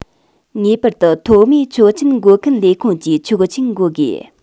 ངེས པར དུ ཐོག མའི ཆོག མཆན འགོད མཁན ལས ཁུངས ཀྱིས ཆོག མཆན འགོད དགོས